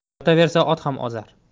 yotaversa ot ham ozar